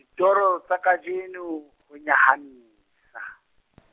ditoro tsa kajeno, ho nyahamisa .